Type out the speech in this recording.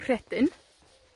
rhedyn.